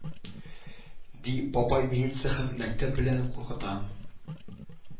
Ди, бабай милиция һәм мәктәп белән куркыта